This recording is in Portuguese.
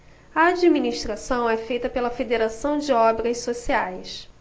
a administração é feita pela fos federação de obras sociais